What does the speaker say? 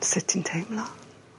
Sut ti'n teimlo?